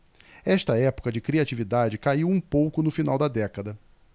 esta época de criatividade caiu um pouco no final da década